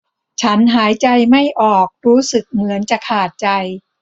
ฉันหายใจไม่ออกรู้สึกเหมือนจะขาดใจ